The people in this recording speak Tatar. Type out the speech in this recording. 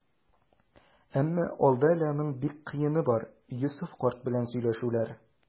Әмма алда әле аның бик кыены бар - Йосыф карт белән сөйләшүләр.